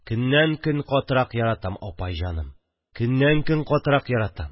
– көннән-көн катырак яратам, апай җаным. көннән-көн катырак яратам